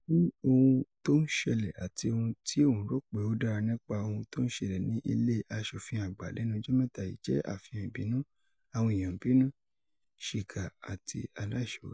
Ó ní “Ohun tó ń ṣẹlẹ̀, àti ohun tí òun rò pé ó dára nípa ohun tó ń ṣẹlẹ̀ ní Ilé Aṣòfin Àgbà lẹ́nu ọjọ́ mẹ́ta yìí jẹ́ àfihàn ìbínú. Àwọn èèyàn ń bínú, ṣìkà, àti aláìṣòótọ́.”